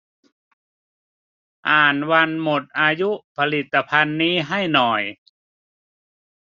อ่านวันหมดอายุผลิตภัณฑ์นี้ให้หน่อย